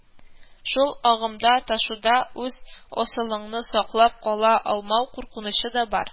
Шул агымда, ташуда үз асылыңны саклап кала алмау куркынычы да бар